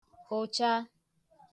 hụ̀cha